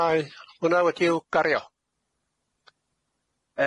Wel nâi hwnna wedi i'w gario.